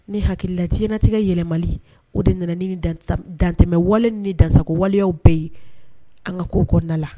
Ni hakililatiɲɛnatigɛ yɛlɛma o de nana ni dantɛmɛwale ni dansako waleya bɛɛ ye an ka ko kɔnɔna la